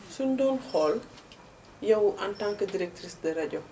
suñu doon xool yow en tant que directrice de rajo